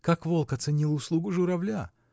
— Как волк оценил услугу журавля.